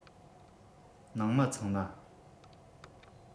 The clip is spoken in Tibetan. ནང མི ཚང མ